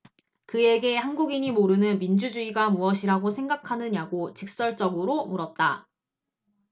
그에게 한국인이 모르는 민주주의가 무엇이라고 생각하느냐고 직설적으로 물었다